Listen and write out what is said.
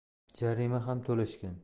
jarima ham to'lashgan